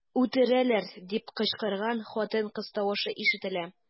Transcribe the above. "үтерәләр” дип кычкырган хатын-кыз тавышы ишетелә.